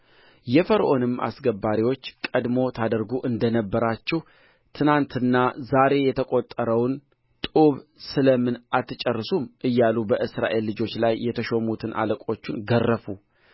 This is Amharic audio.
የፈርዖንም አስገባሪዎች ቀድሞ ታደርጉ እንደ ነበራችሁ ትናንትናና ዛሬ የተቈጠረውን ጡብ ስለ ምን አትጨርሱም እያሉ በእስራኤል ልጆች ላይ የተሾሙትን አለቆቹን ገረፉ